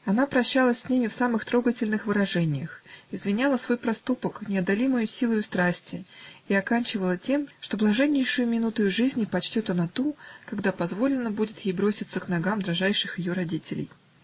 Она прощалась с ними в самых трогательных выражениях, извиняла свой проступок неодолимою силою страсти и оканчивала тем, что блаженнейшею минутою жизни почтет она ту, когда позволено будет ей броситься к ногам дражайших ее родителей.